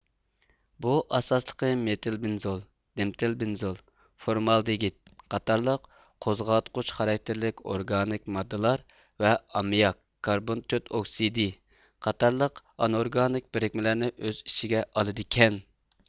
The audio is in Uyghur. بۇ ئاساسلىقى مېتىل بېنزول دېمىتىل بېنزول فورمالدېگىد قاتارلىق قوزغاتقۇچ خاراكتېرلىك ئورگانىك ماددىلار ۋە ئاممىياك كاربون تۆت ئوكسىدى قاتارلىق ئانئورگانىك بىرىكمىلەرنى ئۆز ئىچىگە ئالىدىكەن